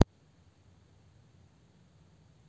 ты фашист